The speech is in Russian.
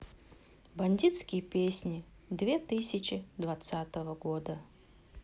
бандитские песни две тысячи двадцатого года